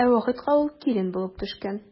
Ә Вахитка ул килен булып төшкән.